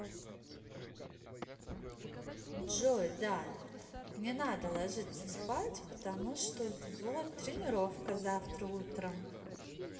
джой да не надо ложиться спать потому что у него тренировка завтра утром